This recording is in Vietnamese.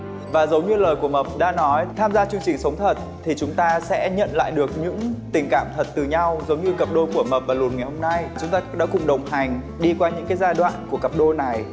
và giống như lời của mập đã nói tham gia chương trình sống thật thì chúng ta sẽ nhận lại được những tình cảm thật từ nhau giống như cặp đôi của mập và lùn ngày hôm nay chúng ta đã cùng đồng hành đi qua những cái giai đoạn của cặp đôi này